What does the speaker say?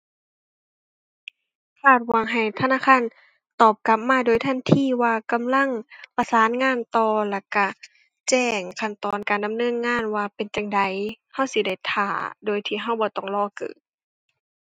คาดหวังให้ธนาคารตอบกลับมาโดยทันที ว่ากำลังประสานงานต่อ แล้วก็แจ้งขั้นตอนการดำเนินงานว่าเป็นจั่งใด ก็สิได้ท่าโดยที่ก็บ่ต้องรอเก้อ